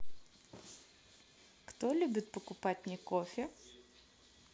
кто любит покупать мне кофе